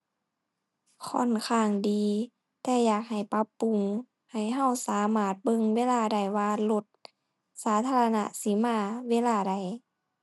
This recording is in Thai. ค่อนข้างดีแต่อยากให้ปรับปรุง ให้เราสามารถเบิ่งเวลาได้ว่า รถสาธารณะสิมาเวลาใด